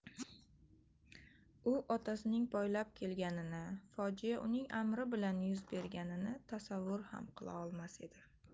u otasining poylab kelganini fojia uning amri bilan yuz berganini tasavvur ham qila olmas edi